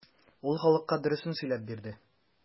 Ул халыкка дөресен сөйләп бирде.